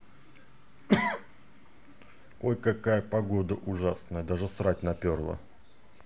ой какая погода ужасная